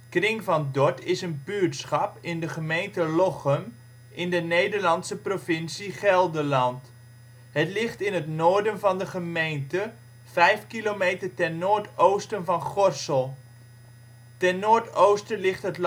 Kring van Dorth is een buurtschap in de gemeente Lochem in de Nederlandse provincie Gelderland. Het ligt in het noorden van de gemeente; vijf kilometer ten noordoosten van Gorssel. Ten noord-oosten ligt het landgoed